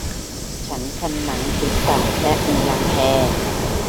ฉันคันหนังศีรษะและมีรังแค